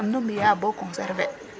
Nam nu mbi'aa bo conserver ?